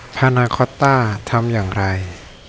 พานาคอตต้าทำอย่างไร